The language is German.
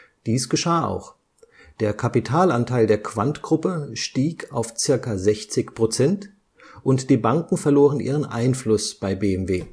Dies geschah auch, der Kapitalanteil der Quandt-Gruppe stieg auf ca. 60 Prozent und die Banken verloren ihren Einfluss bei BMW